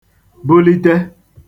bulite